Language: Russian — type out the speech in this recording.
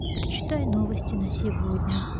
прочитай новости на сегодня